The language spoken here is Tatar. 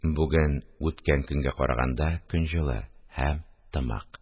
Бүген үткән көнгә караганда көн җылы һәм тымык: